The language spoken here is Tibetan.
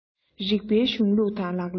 རིགས པའི གཞུང ལུགས དང ལག ལེན